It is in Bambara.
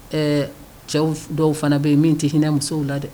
Ɛɛ cɛw dɔw fana bɛ yen min tɛ hinɛina musow la dɛ